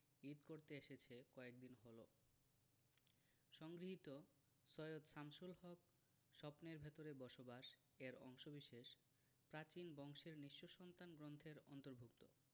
ঈদ করতে এসেছে কয়েকদিন হলো সংগৃহীত সৈয়দ শামসুল হক স্বপ্নের ভেতরে বসবাস এর অংশবিশেষ প্রাচীন বংশের নিঃস্ব সন্তান গ্রন্থের অন্তর্ভুক্ত